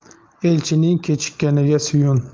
elchining kechikkaniga suyun